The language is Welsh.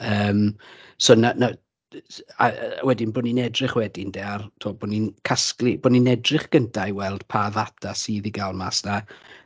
Yym so 'na 'na... a wedyn bod ni'n edrych wedyn de ar... 'to bod ni'n casglu... bod ni'n edrych gynta i weld pa ddata sydd i gael mas 'na.